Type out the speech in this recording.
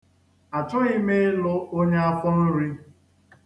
A chọghị m ịlụ onye afọnri.